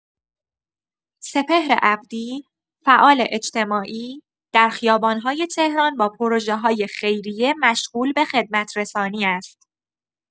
سپهر عبدی، فعال اجتماعی، در خیابان‌های تهران با پروژه‌های خیریه مشغول به خدمت‌رسانی است.